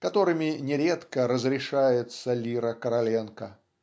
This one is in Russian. которыми нередко разрешается лира Короленко.